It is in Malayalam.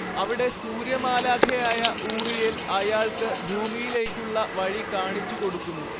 അവിടെ സൂര്യരമാലാഖയായ ഊറിയേൽ അയാൾക്ക് ഭൂമിയിലേയ്ക്കുള്ള വഴി കാണിച്ചുകൊടുക്കുന്നു